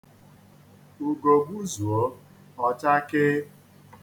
Ugo gbuzuo, ọ chakee.